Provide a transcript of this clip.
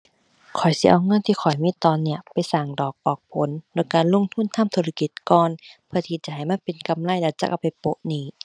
ข้อยสิเอาเงินที่ข้อยมีตอนเนี้ย ไปสร้างดอกออกผล แล้วก็ลงทุนทำธุรกิจก่อน เพื่อที่จะให้มาเป็นกำไร แล้วจั่งเอาไปโปะหนี้